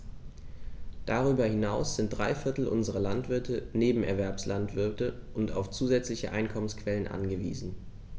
Darüber hinaus sind drei Viertel unserer Landwirte Nebenerwerbslandwirte und auf zusätzliche Einkommensquellen angewiesen.